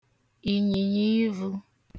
ị̀nyị̀nyìivū